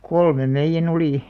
kolmen meidän oli